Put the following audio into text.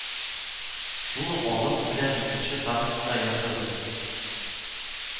Шул ук алым белән икенче танкны да яндырдым